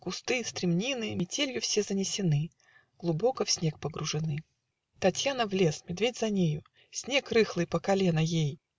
кусты, стремнины Метелью все занесены, Глубоко в снег погружены. Татьяна в лес медведь за нею Снег рыхлый по колено ей